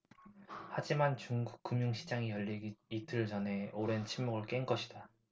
하지만 중국 금융시장이 열리기 이틀 전에 오랜 침묵을 깬 것이다